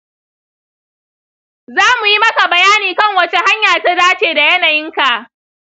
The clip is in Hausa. za mu yi maka bayani kan wacce hanya ta dace da yanayinka.